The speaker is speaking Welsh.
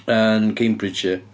Yn Cambridgeshire.